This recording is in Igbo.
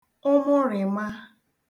ụmụrị̀ma